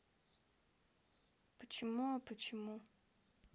почему а почему